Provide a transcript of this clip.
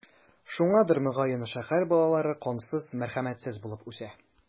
Шуңадыр, мөгаен, шәһәр балалары кансыз, мәрхәмәтсез булып үсә.